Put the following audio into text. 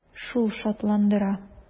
Шул шатландыра.